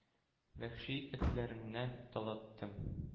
Вәхши этләреңнән талаттың.